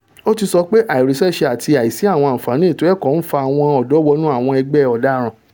O tí sọ pé àìríṣẹ́ṣe àti àìsí àwọn àǹfààní ètò-ẹ̀kọ́ ń fa àwọn ọ̀dọ́ wọnú àwọn ẹgbẹ́ ọ̀daràn.